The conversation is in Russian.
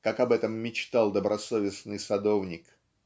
как об этом мечтал добросовестный садовник?.